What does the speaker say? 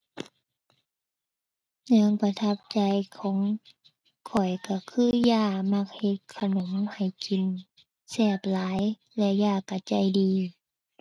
เรื่องประทับใจของข้อยก็คือย่ามักเฮ็ดขนมให้กินแซ่บหลายและย่าก็ใจดี